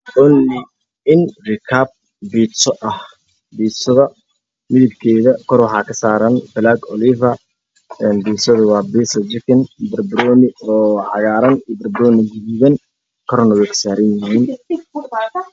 Sawirkan waa subaxayeysiis ah waxaa ii muuqda piiso midabkiisa xijaallo iyo nin oo bizahay